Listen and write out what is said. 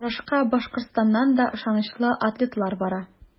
Ярышка Башкортстаннан да ышанычлы атлетлар бара.